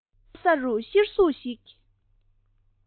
དམའ ས རུ གཤེར གཟུགས ཤིག